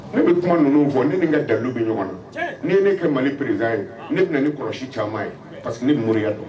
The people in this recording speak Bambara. Ne bɛ kuma ninnu fɔ ni nin ka dalu bɛ ɲɔgɔn na ni ne kɛ mali perez ye ne bɛna ni kɔlɔsi caman ye parce que ne moriya don